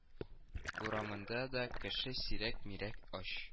Урамында да кеше сирәк-мирәк оч